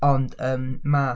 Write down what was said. ond ymm ma'...